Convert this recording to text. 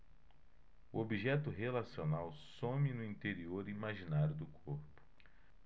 o objeto relacional some no interior imaginário do corpo